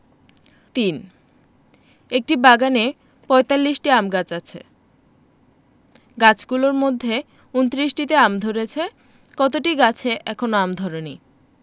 ৩ একটি বাগানে ৪৫টি আম গাছ আছে গাছগুলোর মধ্যে ২৯টিতে আম ধরেছে কতটি গাছে এখনও আম ধরেনি